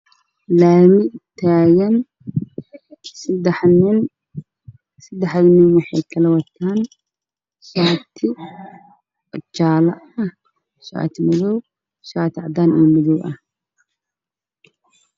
Meeshaan uu meel walba waxaa marayo saddex nin iyo hal naag